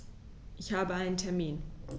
Ich habe einen Termin.